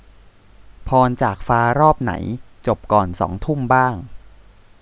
พรจากฟ้ารอบไหนจบก่อนสองทุ่มบ้าง